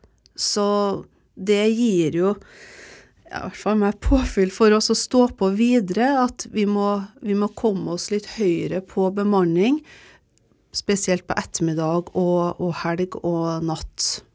så det gir jo ja hvert fall meg påfyll for oss å stå på videre at vi må vi må komme oss litt høyere på bemanning spesielt på ettermiddag og og helg og natt.